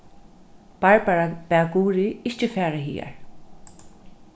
barbara bað guðrið ikki fara hagar